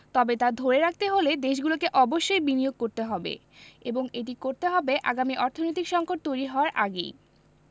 তবে তা ধরে রাখতে হলে দেশগুলোকে অবশ্যই বিনিয়োগ করতে হবে এবং এটি করতে হবে আগামী অর্থনৈতিক সংকট তৈরি হওয়ার আগেই